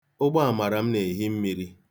Ụgbọamara m na-ehi mmiri.